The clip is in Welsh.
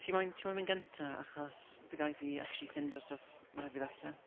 Ti moyn... ti moyn mynd gynta achos bydd rhaid i fi actually ffeindio'r stwff mae rhaid i fi ddarllen.